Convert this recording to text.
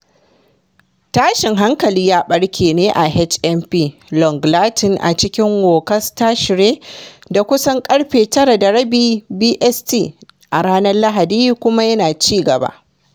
Tashin hankalin ya ɓarke ne a HMP Long Lartin a cikin Worcestershire da kusan ƙarfe 09:30 BST a ranar Lahadi kuma yana ci gaba.